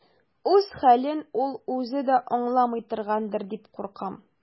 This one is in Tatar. Үз хәлен ул үзе дә аңламый торгандыр дип куркам.